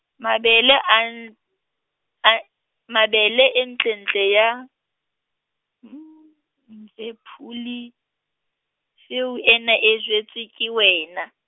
mabele a n- a, mabele e ntlentle ya, Moephuli, peo ena e jetswe ke wena.